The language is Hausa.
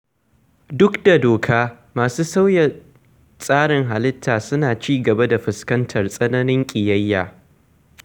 Duk da doka, masu sauya tsarin halitta suna cigaba da fuskantar tsananin ƙiyayya.